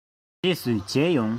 རྗེས སུ མཇལ ཡོང